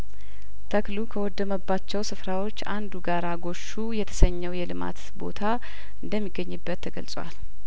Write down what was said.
ተክሉ ከወደመባቸው ስፍራዎች አንዱ ጋራ ጐሹ የተሰኘው የልማት ቦታ እንደሚገኝበት ተገልጿል